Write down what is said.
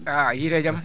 a hiirii e jam